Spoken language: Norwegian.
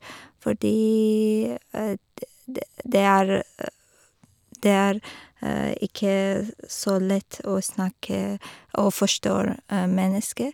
Fordi det det det er det er ikke s så lett å snakke og forstår mennesker.